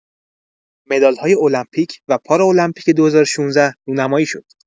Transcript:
مدال‌های المپیک و پارالمپیک ۲۰۱۶ رونمایی شد.